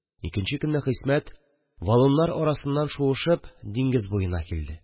Икенче көнне Хисмәт валуннар арасыннан шуышып диңгез буена килде